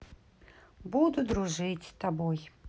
буду дружить с тобой